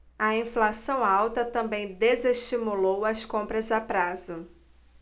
a inflação alta também desestimulou as compras a prazo